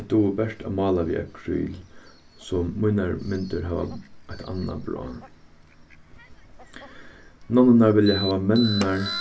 eg dugi bert at mála við akryl so mínar myndir hava eitt annað brá nonnurnar vilja hava menninar